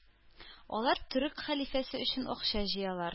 Алар төрек хәлифәсе өчен акча җыялар